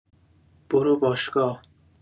برو باشگاه